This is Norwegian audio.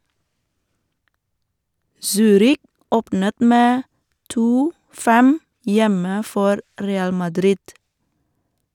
Zürich åpnet med 2 -5 hjemme for Real Madrid.